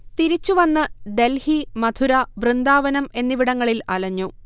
തിരിച്ചുവന്ന് ഡൽഹി, മഥുര, വൃന്ദാവനം എന്നിവിടങ്ങളിൽ അലഞ്ഞു